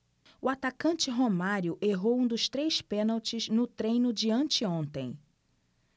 o atacante romário errou um dos três pênaltis no treino de anteontem